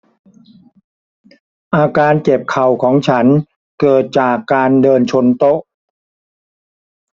อาการเจ็บเข่าของฉันเกิดจากการเดินชนโต๊ะ